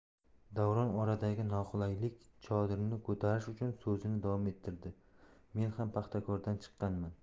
davron oradagi noqulaylik chodirini ko'tarish uchun so'zini davom ettirdi men ham paxtakordan chiqqanman